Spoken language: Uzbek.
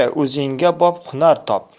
o'zingga bop hunar top